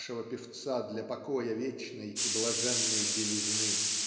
нашего певца для покоя вечной и блаженной белизны.